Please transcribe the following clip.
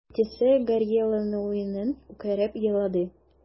Әтисе гарьләнүеннән үкереп елады.